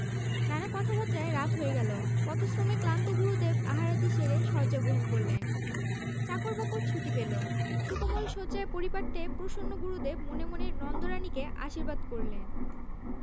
নানা কথাবার্তায় রাত হয়ে গেল পথশ্রমে ক্লান্ত গুরুদেব আহারাদি সেরে শয্যা গ্রহণ করলেন চাকর বাকর ছুটি পেলে সুকোমল শয্যার পারিপাট্যে প্রসন্ন গুরুদেব মনে মনে নন্দরানীকে আশীর্বাদ করলেন